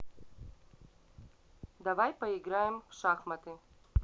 давай поиграем в шахматы